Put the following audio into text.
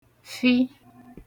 fi